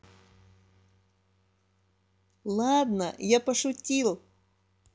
ладно я пошутил